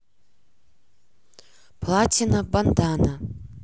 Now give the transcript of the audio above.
платина бандана